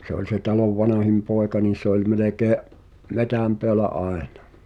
se oli se talon vanhin poika niin se oli melkein metsän päällä aina